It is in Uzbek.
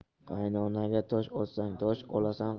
qaynonaga tosh otsang tosh olasan